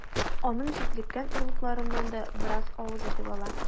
Аның җитлеккән орлыкларыннан да бераз авыз итеп ала.